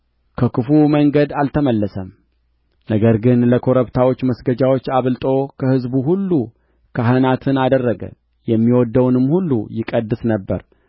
ከክፉ መንገድ አልተመለሰም ነገር ግን ለኮረብታዎቹ መስገጃዎች አብልጦ ከሕዝብ ሁሉ ካህናትን አደረገ የሚወድደውንም ሁሉ ይቀድስ ነበር